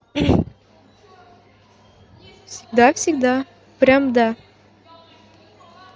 всегда всегда прям да